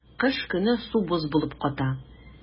Кыш көне су боз булып ката.